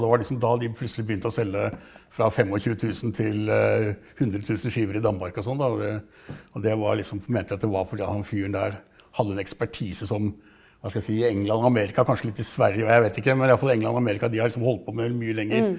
det var liksom da de plutselig begynte å selge fra tjuefemtusen til hundretusen skiver i Danmark og sånn da, og det var liksom mente de var fordi han fyren der hadde en ekspertise som, hva skal jeg si, England, Amerika, kanskje litt i Sverige, jeg vet ikke men iallfall England og Amerika, de har liksom holdt på med mye lenger.